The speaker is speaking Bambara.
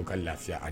U ka lafiya a ye